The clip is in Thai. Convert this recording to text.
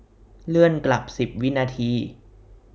เลื่อนกลับสิบวินาที